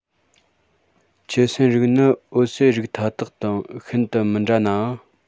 ཆུ སྲིན རིགས ནི འོ གསོས རིགས མཐའ དག དང ཤིན ཏུ མི འདྲ ནའང